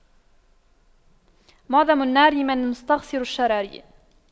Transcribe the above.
معظم النار من مستصغر الشرر